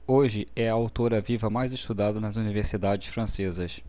hoje é a autora viva mais estudada nas universidades francesas